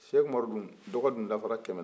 sɛki umaru dun dɔgɔ dun dafara kɛmɛ na